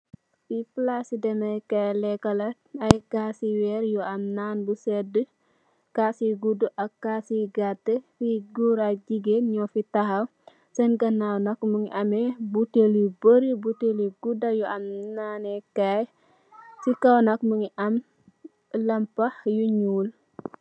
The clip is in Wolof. Li palaas ci dèmèkaay la, ay caas ci wèr yu am nan bu sèd, caas yu guddu ak caas yu gatt. Fi gòor ak jigeen nyo fi tahaw senn ganaaw nak mungi ameh buteel yu bari, buteel yu gudda yu am nanèkaay. Ci kaw nak mungi am lampa yu ñuul.